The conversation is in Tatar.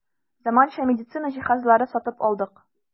Заманча медицина җиһазлары сатып алдык.